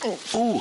O ww!